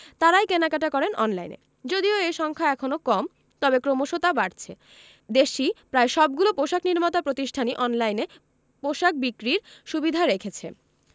তাঁরাই কেনাকাটা করেন অনলাইনে যদিও এ সংখ্যা এখনো কম তবে ক্রমশ তা বাড়ছে দেশি প্রায় সবগুলো পোশাক নির্মাতা প্রতিষ্ঠানই অনলাইনে পোশাক বিক্রির সুবিধা রেখেছে